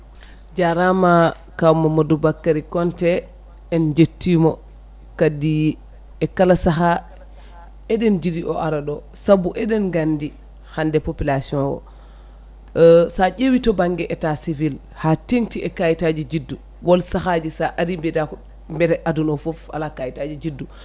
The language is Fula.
jarama kaw Mamadou Bakary Konté en jettimo kadi e kala saaha eɗen jiiɗi o araɗo saabu eɗen gandi hande population o sa ƴeewi to banggue état civil ha tengti e kayitaji juddu won saahaji sa ari mbiyata ko mbete aduna o foof ala kayitaji juddu